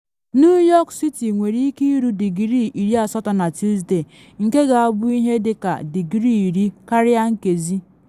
New York City nwere ike iru digrii 80 na Tusde, nke ga-abụ ihe dị ka digrii 10 karịa nkezi.